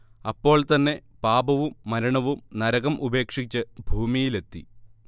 അപ്പോൾ തന്നെ പാപവും മരണവും നരകം ഉപേക്ഷിച്ച് ഭൂമിയിലെത്തി